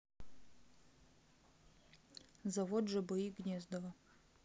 завод жби гнездова